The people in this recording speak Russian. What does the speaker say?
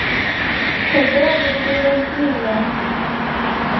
когда у меня день рождения